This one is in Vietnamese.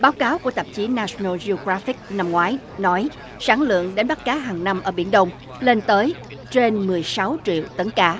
báo cáo của tạp chí na sừn nồ gieo gờ ráp phíc năm ngoái nói sản lượng đánh bắt cá hằng năm ở biển đông lên tới trên mười sáu triệu tấn cá